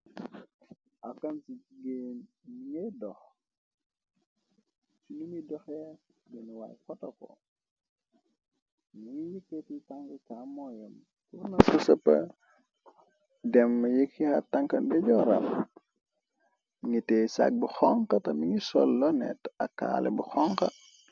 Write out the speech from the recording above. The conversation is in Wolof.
Akan ci géen mi ngay dox ci ñuñu doxee din waay xotako mungi ngi keti tàng ca mooyoom torna sa sëpa dem yekia tankande jooram nite sagg bu xonxata mi ngi sollo nett ak kaale bu xonka.